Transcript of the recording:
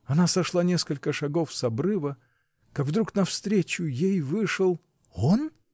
она сошла несколько шагов с обрыва, как вдруг навстречу ей вышел. — Он?